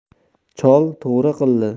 chol to'g'ri qildi